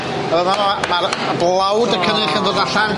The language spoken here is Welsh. Yy ma' ma' ma'r blawd y cynnyrch yn dod allan.